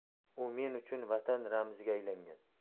u men uchun vatan ramziga aylangan